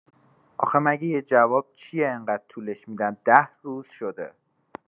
آخه مگه یه جواب چیه اینقدر طولش می‌دن ۱۰ روز شده